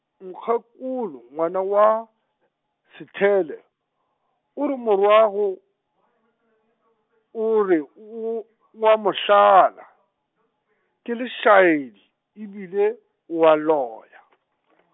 mokgekolo ngwana wa , Sethale, o re morwago , o re o o o, wa mohlala, ke lešaedi, e bile, o a loya .